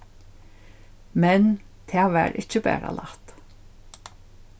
men tað var ikki bara lætt